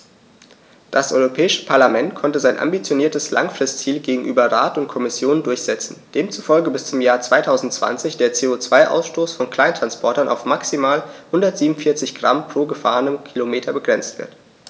Das Europäische Parlament konnte sein ambitioniertes Langfristziel gegenüber Rat und Kommission durchsetzen, demzufolge bis zum Jahr 2020 der CO2-Ausstoß von Kleinsttransportern auf maximal 147 Gramm pro gefahrenem Kilometer begrenzt wird.